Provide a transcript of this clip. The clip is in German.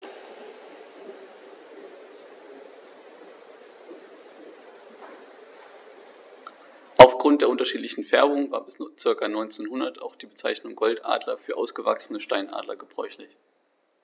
Auf Grund der unterschiedlichen Färbung war bis ca. 1900 auch die Bezeichnung Goldadler für ausgewachsene Steinadler gebräuchlich.